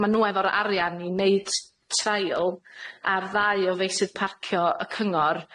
Ma' nw efo'r arian i neud t- trial ar ddau o feysydd parcio y cyngor,